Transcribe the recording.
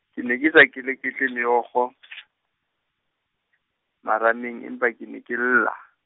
ke ne ke sa keleketle meokgo , marameng, empa ke ne ke lla.